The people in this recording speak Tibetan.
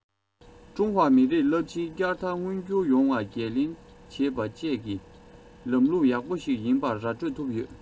ཀྲུང ཧྭ མི རིགས རླབས ཆེན བསྐྱར དར མངོན འགྱུར ཡོང བ འགན ལེན བྱེད པ བཅས ཀྱི ལམ ལུགས ཡག པོ ཞིག ཡིན པ ར སྤྲོད ཐུབ ཡོད